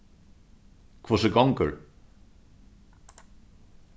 hvussu gongur